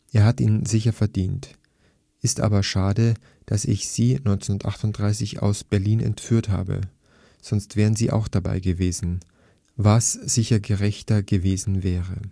Er hat ihn sicher verdient. Es ist aber schade, dass ich Sie 1938 aus Berlin entführt habe […] Sonst wären Sie auch dabei gewesen. Was sicher gerechter gewesen wäre